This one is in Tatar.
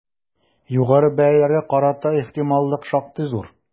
Югары бәяләргә карата ихтималлык шактый зур.